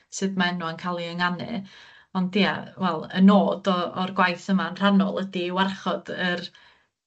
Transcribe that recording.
sut ma' enwa'n ca'l 'u ynganu ond ia wel y nod o o'r gwaith yma yn rhannol ydi i warchod yr